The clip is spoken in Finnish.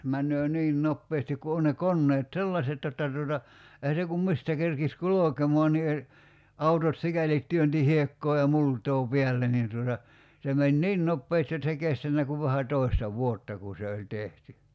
menee niin nopeasti kun on ne koneet sellaiset jotta tuota eihän se kun mistä kerkisi kulkemaan niin - autot sikäli työnsi hiekkaa ja multaa päälle niin tuota se meni niin nopeasti jotta se ei kestänyt kuin vähän toista vuotta kun se oli tehty